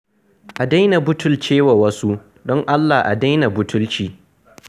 A daina butulcewa wasu, don Allah a daina butulci.